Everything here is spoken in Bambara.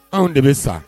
Anw dɛmɛ bɛ sa